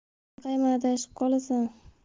anqayma adashib qolasan